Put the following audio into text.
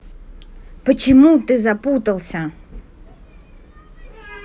почему ты запутался